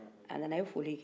a nana a ye foli kɛ